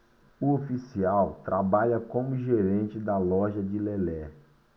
o oficial trabalha como gerente da loja de lelé